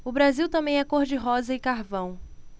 o brasil também é cor de rosa e carvão